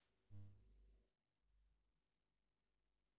алиса ты дура